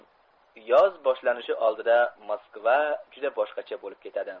yoz boshlanishi oldida moskva juda boshqacha bo'lib ketadi